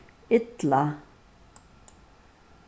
illa